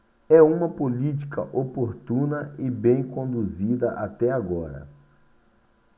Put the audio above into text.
é uma política oportuna e bem conduzida até agora